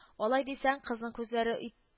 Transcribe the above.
Алай дисәң, – кызның күзләре үз ит